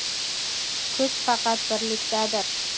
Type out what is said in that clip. kuch faqat birlikdadir